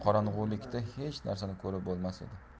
qorong'ilikda hech narsani ko'rib bo'lmas edi